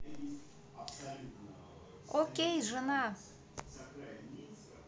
окей жена